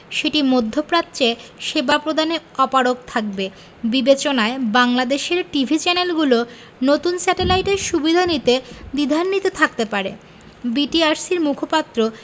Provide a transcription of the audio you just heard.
সেটি মধ্যপ্রাচ্যে সেবা প্রদানে অপারগ থাকবে বিবেচনায় বাংলাদেশের টিভি চ্যানেলগুলো নতুন স্যাটেলাইটের সুবিধা নিতে দ্বিধান্বিত থাকতে পারে বিটিআরসির মুখপাত্র